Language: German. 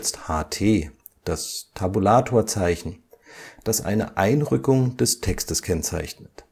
HT), das Tabulatorzeichen, das eine Einrückung des Textes kennzeichnet